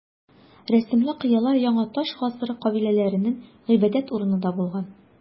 Рәсемле кыялар яңа таш гасыры кабиләләренең гыйбадәт урыны да булган.